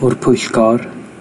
o'r pwyllgor,